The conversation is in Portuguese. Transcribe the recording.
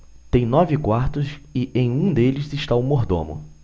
tem nove quartos e em um deles está o mordomo